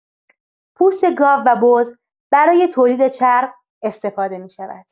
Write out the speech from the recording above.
پوست گاو و بز برای تولید چرم استفاده می‌شود.